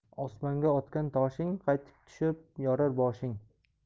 osmonga otgan toshing qaytib tushib yorar boshing